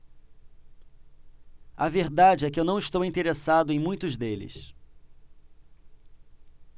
a verdade é que não estou interessado em muitos deles